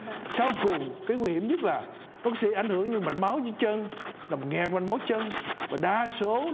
sau cùng nguy hiểm nhất là sự ảnh hưởng như mạch máu như chân nằm nghe quanh mố chân và đa số